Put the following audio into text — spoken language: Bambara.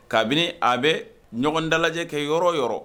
Kabini a bɛ ɲɔgɔn dala kɛ yɔrɔ yɔrɔ